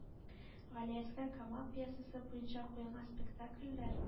Галиәсгар Камал пьесасы буенча куелган спектакльләр